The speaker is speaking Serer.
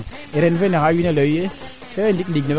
manaam laŋ kuu gasoona ndeet ga kusax